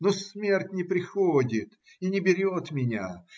Но смерть не приходит и не берет меня.